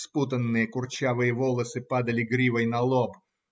спутанные курчавые волосы падали гривой на лоб